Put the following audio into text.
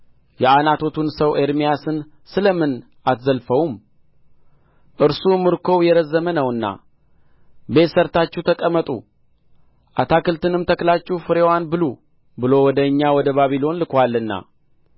የዓናቶቱን ሰው ኤርምያስን ስለ ምን አትዘልፈውም እርሱ ምርኮው የረዘመው ነውና ቤት ሠርታችሁ ተቀመጡ አታክልትንም ተክላችሁ ፍሬዋን ብሉ ብሎ ወደ እኛ ወደ ባቢሎን ልኮአልና